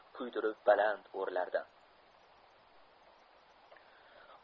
kuydirib baland o'rlardi